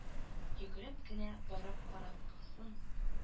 Йөгереп кенә барып аракысын